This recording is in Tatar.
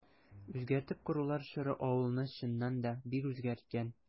Үзгәртеп корулар чоры авылны, чыннан да, бик үзгәрткән.